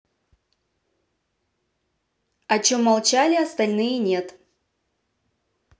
о чем молчали остальные нет